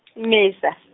Mmesa .